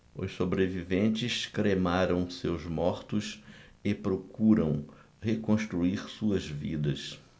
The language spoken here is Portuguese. os sobreviventes cremaram seus mortos e procuram reconstruir suas vidas